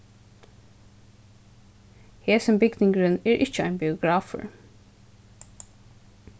hesin bygningurin er ikki ein biografur